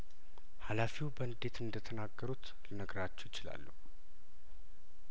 ሀላፊው በንዴት እንደተናገሩትል ነግራችሁ እችላለሁ